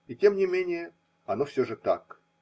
И тем не менее, – оно все же так.